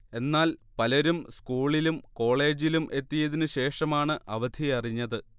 എന്നാൽ പലരും സ്കൂളിലും കോളേജിലും എത്തിയതിന് ശേഷമാണ് അവധിയറിഞ്ഞത്